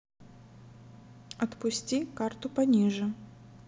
отпусти карту пониже